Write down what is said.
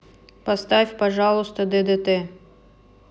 поставь пожалуйста ддт